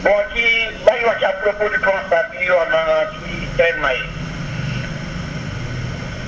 bon ci ma ñëwaat si à propos Apronstar bi ñuy wax naan surtout si traitement yi